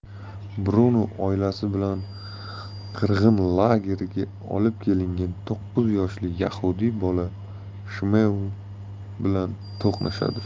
bruno oilasi bilan qirg'in lageriga olib kelingan to'qqiz yoshli yahudiy bola shmuel bilan do'stlashadi